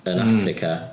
Yn Affrica.